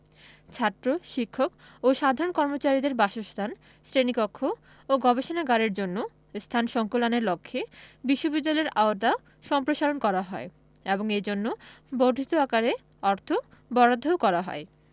ছাত্র শিক্ষক ও সাধারণ কর্মচারীদের বাসস্থান শ্রেণীকক্ষ ও গবেষণাগারের জন্য স্থান সংকুলানের লক্ষ্যে বিশ্ববিদ্যালয়ের আওতা সম্প্রসারণ করা হয় এবং এজন্য বর্ধিত আকারে অর্থ বরাদ্দও করা হয়